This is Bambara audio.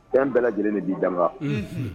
Fɛn bɛɛ lajɛlen de b'i jan